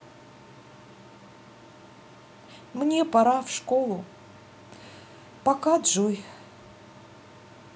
мне пора в школу пока джой